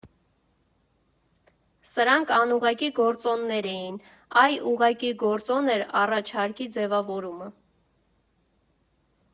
Սրանք անուղղակի գործոններ էին, այ ուղղակի գործոն էր առաջարկի ձևավորումը։